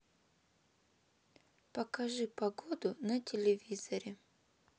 покажи погоду на телевизоре